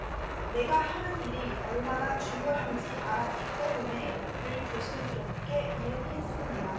내가 하는 일이 얼마나 중요한지 알았기 때문에 늘 조심스럽게 일했습니다